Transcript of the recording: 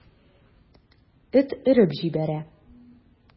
Эт өреп җибәрә.